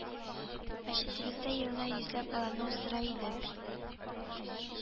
Мәчетебездә елына йөзләп баланы уздыра идек